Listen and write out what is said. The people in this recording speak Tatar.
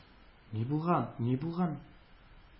-ни булган, ни булган...